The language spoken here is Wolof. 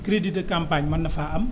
crédit de campagne mën na faa am